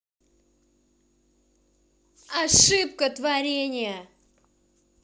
ошибка творения